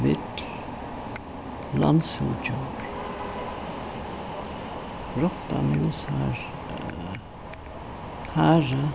vill landsúgdjór rotta mús hara